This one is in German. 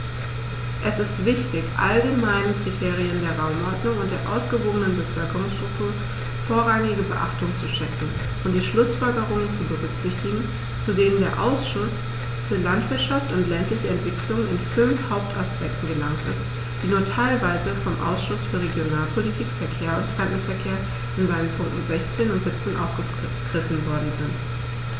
Es ist wichtig, allgemeinen Kriterien der Raumordnung und der ausgewogenen Bevölkerungsstruktur vorrangige Beachtung zu schenken und die Schlußfolgerungen zu berücksichtigen, zu denen der Ausschuss für Landwirtschaft und ländliche Entwicklung in fünf Hauptaspekten gelangt ist, die nur teilweise vom Ausschuss für Regionalpolitik, Verkehr und Fremdenverkehr in seinen Punkten 16 und 17 aufgegriffen worden sind.